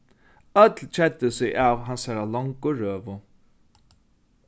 øll keddu seg av hansara longu røðu